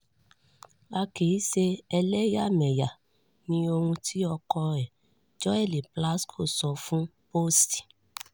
A kì í ṣe ẹlẹ́yàmẹyà,” ni ohun ti ọkọ ẹ̀, Joel Plasco sọ fún Post.